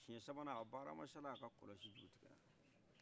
siyɛn sabanan bakari hama sala kɔlɔsi juru tigɛra